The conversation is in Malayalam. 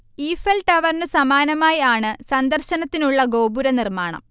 ഈഫൽ ടവറിനു സമാനമായി ആണ് സന്ദര്ശനത്തിനുള്ള ഗോപുര നിർമാണം